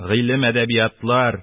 Гыйлем-әдәбиятлар